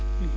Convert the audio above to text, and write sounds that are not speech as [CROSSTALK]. [HESITATION] [HESITATION]